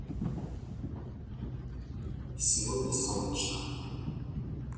сегодня солнечно